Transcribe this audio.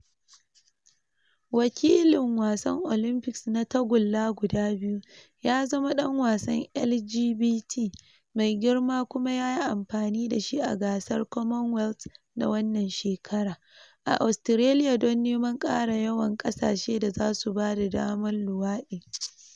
Wakilin wasan Olympics na tagulla guda biyu ya zama dan wasan LGBT mai girma kuma ya yi amfani da shi a gasar Commonwealth na wannan shekara a Australia don neman kara yawan kasashe da zasu bada daman luwadi.